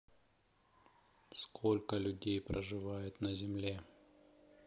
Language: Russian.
сколько людей проживает на земле